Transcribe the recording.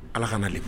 Ala kana'ale